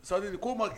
Sadiri ko ma